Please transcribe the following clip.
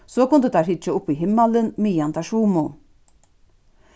so kundu teir hyggja upp í himmalin meðan teir svumu